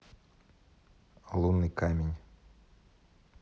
лунный камень